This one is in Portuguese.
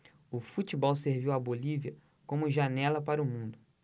o futebol serviu à bolívia como janela para o mundo